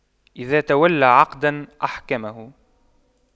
إذا تولى عقداً أحكمه